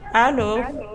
A